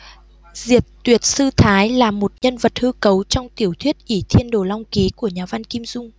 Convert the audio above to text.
diệt tuyệt sư thái là một nhân vật hư cấu trong tiểu thuyết ỷ thiên đồ long ký của nhà văn kim dung